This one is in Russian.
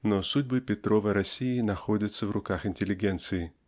но судьбы Петровой России находятся в руках интеллигенции